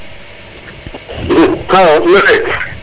*